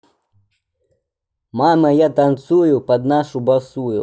мама я танцую под нашу босую